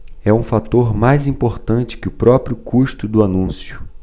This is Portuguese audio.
é um fator mais importante que o próprio custo do anúncio